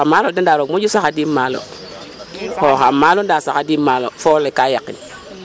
Xooxaam maalo de ndaa wax deg saxadiim maalo, xooxaam maalo ndaa saxadiim maalo foof le ka yaqin ii.